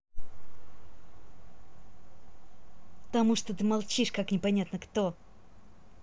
потому что ты молчишь как непонятно кто